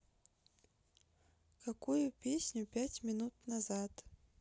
какую песню пять минут назад